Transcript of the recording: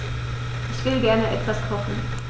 Ich will gerne etwas kochen.